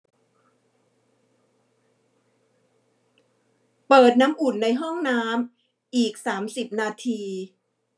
เปิดน้ำอุ่นในห้องน้ำอีกสามสิบนาที